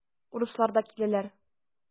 Урыслар да киләләр.